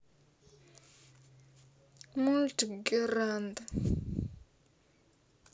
мультик геранд